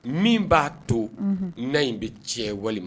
Min b'a to, na in bɛ tiɲɛ walima